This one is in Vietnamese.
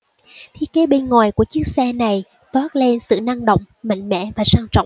thiết kế bên ngoài của chiếc xe này toát lên sự năng động mạnh mẽ và sang trọng